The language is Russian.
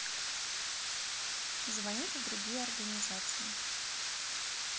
звонить в другие организации